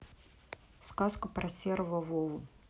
сказка про серого вову